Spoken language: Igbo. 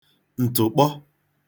ǹtụ̀kpọ